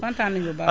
kontaan nañu bu baax